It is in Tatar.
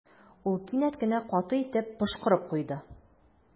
Ул кинәт кенә каты итеп пошкырып куйды.